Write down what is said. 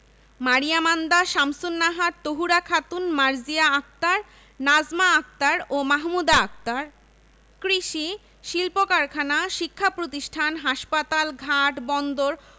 মারিয়া মান্দা শামসুন্নাহার তহুরা খাতুন মার্জিয়া আক্তার নাজমা আক্তার ও মাহমুদা আক্তার কৃষি শিল্পকারখানা শিক্ষাপ্রতিষ্ঠান হাসপাতাল ঘাট বন্দর